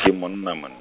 ke monna man-.